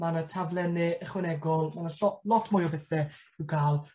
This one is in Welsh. ma' 'na taflenne ychwanegol ma' 'na llo- lot mwy o bethe i'w ga'l